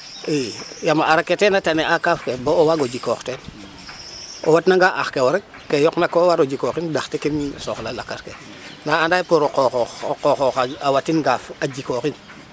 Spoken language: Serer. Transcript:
II yaam a aar ake ten na tane'aa kaaf ke bo o waago jikoox teen o watnanga ax ke wo ke yoqna ko war o jikooxin ɗaxtikin soxla lakas ke ndaa anda yee pour o qooxox a watin ngaaf a jikooxin.